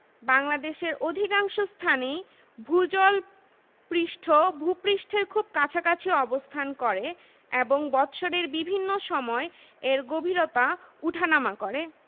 এবং ডাক বিভাগের জীবন বীমা প্রকল্প দেশের অর্থসংস্থান কাঠামোর অধিকাংশই বাণিজ্যিক ব্যাংক কেন্দ্রিক